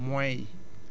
waaw bari na